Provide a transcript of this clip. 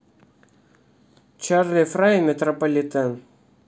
чарли фрай метрополитен